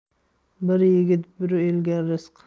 bir yigit bir elga rizq